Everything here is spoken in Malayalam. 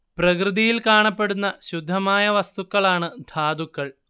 പ്രകൃതിയിൽ കാണപ്പെടുന്ന ശുദ്ധമായ വസ്തുക്കളാണ് ധാതുക്കൾ